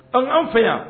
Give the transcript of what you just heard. An k'an fɛ yan